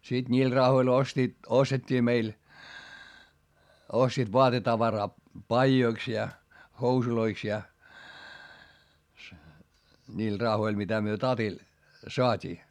sitten niillä rahoilla ostivat ostettiin meille ostivat vaatetavaraa paidoiksi ja housuiksi ja niillä rahoilla mitä me tatilla saatiin